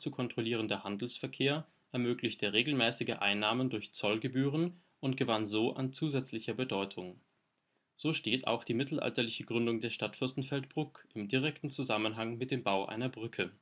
kontrollierende Handelsverkehr ermöglichte regelmäßige Einnahmen durch Zollgebühren und gewann so an zusätzlicher Bedeutung. So steht auch die mittelalterliche Gründung der Stadt Fürstenfeldbruck im direkten Zusammenhang mit dem Bau einer Brücke